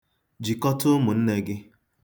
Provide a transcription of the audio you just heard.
Jikọta ụmụnne gị.